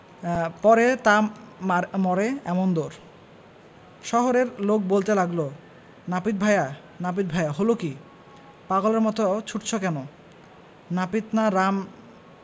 পড়ে তা মরে এমন দৌড় শহরের লোক বলতে লাগল নাপিত ভায়া নাপিত ভায়া হল কী পাগলের মতো ছুটছ কেন নাপিত না রাম